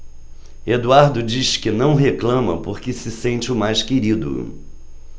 eduardo diz que não reclama porque se sente o mais querido